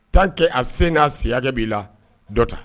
Tan kɛ a sen n'a siyakɛ b'i la dɔ ta